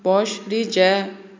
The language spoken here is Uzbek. bosh reja